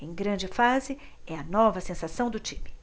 em grande fase é a nova sensação do time